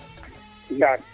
Ndane